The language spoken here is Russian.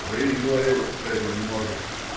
— Быть,— говорю,— этого не может!